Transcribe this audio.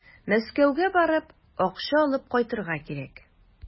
Мәскәүгә барып, акча алып кайтырга кирәк.